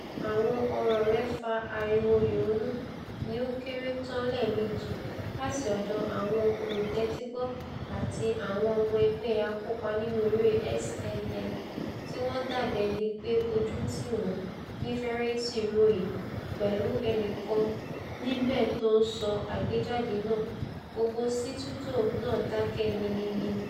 Àwọn ọ̀rọ̀ rẹ̀ fa ariwo ìhónú ní ó kéré tán lẹ́ẹ̀mẹjì láti ọ̀dọ̀ àwọn olùtẹ́tígbọ́ àti àwọn ọmọ ẹgbẹ́ akópá nínú eré SNL tíwọn dàbí ẹnipé ojú tìwọn, ni Variety ròyìn, pẹ̀lú ẹnìkan níbẹ̵̵̀ tó ńsọ àgbéjáde náà. ''Gbogbo situdio náà dákẹ́ minimini.''